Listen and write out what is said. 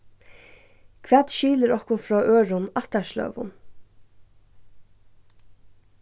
hvat skilur okkum frá øðrum ættarsløgum